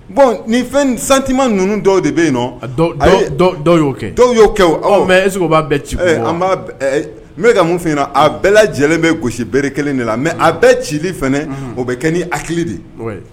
Bɔn ni fɛn santiman ninnu dɔw de bɛ yen dɔw y'o kɛ dɔw y'o kɛ mɛ ese b'a bɛɛ ci n bɛka ka mun fɛ yen a bɛɛ lajɛlen bɛ gosi bere kelen de la mɛ a bɛɛ cili fɛ o bɛ kɛ ni ha hakili de